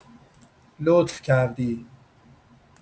لطف کردی